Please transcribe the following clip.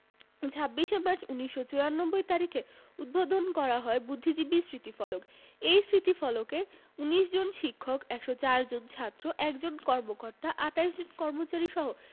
২৬ March ১৯৯৪ তারিখে উদ্বোধন করা হয় বুদ্ধিজীবী স্মৃতিফলক এই কে ১৯ জন শিক্ষক ১০৪ জন ছাত্র ১ জন কর্মকর্তা ২৮ জন কর্মচারীসহ